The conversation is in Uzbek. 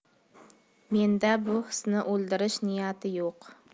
menda bu hisni o'ldirish niyati yo'q